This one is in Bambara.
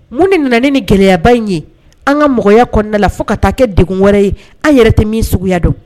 Mun de nana ni gɛlɛyaba in ye an ka mɔgɔya kɔnɔna la fo ka taa kɛ de wɛrɛ ye an yɛrɛ tɛ min suguya don